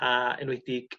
a enwedig